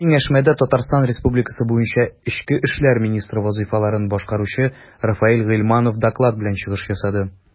Киңәшмәдә ТР буенча эчке эшләр министры вазыйфаларын башкаручы Рафаэль Гыйльманов доклад белән чыгыш ясады.